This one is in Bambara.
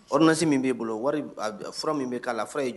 Orsi min bɛ' bolo wari fura min bɛ k'a la fura